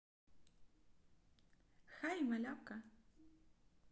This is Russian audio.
хай малявка